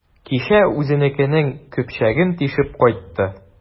Кичә үзенекенең көпчәген тишеп кайтты.